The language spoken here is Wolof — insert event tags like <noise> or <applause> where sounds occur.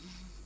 <hesitation> <hesitation>